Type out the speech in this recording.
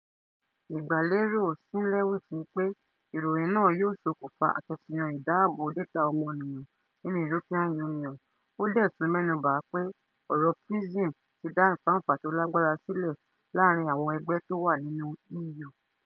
Ìgbàlérò Szymielewicz ni pé ìroyìn náà yóò ṣokùnfa akitiyan ìdáàbò data ọmọniyàn nínu European Union, ó dẹ̀ tún mẹ́nubà pé ọ̀rọ̀ “PRISM” ti da “ìfánfà tó lágbára” silẹ̀ láààrìn àwọn ẹgbẹ́ tó wà nínú EU.